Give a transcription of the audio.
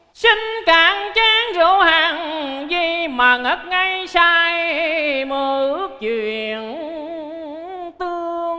xin cạn chén rượu hàn gì mà ngất ngây say mơ ước chuyện tương